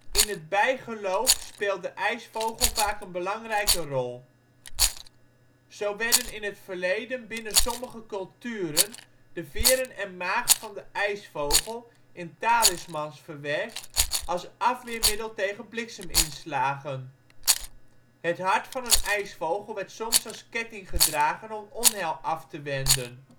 In het bijgeloof speelt de ijsvogel vaak een belangrijke rol. Zo werden in het verleden binnen sommige culturen de veren en maag van de ijsvogel in talismans verwerkt als afweermiddel tegen blikseminslagen. Het hart van een ijsvogel werd soms als ketting gedragen om onheil af te wenden